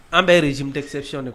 An bɛɛ yɛrɛ zp tɛsɛcy de dɛ